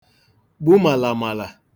gbu màlàmàlà